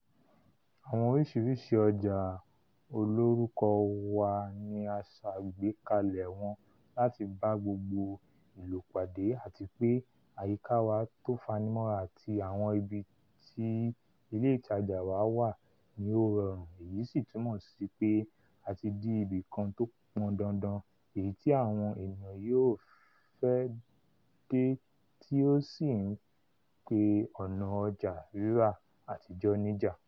Àwọn oríṣiríṣi ọjà olórúkọ wa ní a ṣàgbékalẹ̀ wọn láti bá gbogbo ìlò pàdé àtipé àyíká wa tó fanimọ́ra àti àwọn ibi tí ilé ìtajà wa wà ni ó rọrùn èyí sì túmọ sípé a ti di ibi kan tó pọn dandan èyití àwọn eniyan yóò fẹ́ dé tí ó sì ńpe ọ̀nà ọjà rírà àtijọ́ níjà.